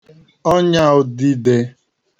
ọnyà ùdidē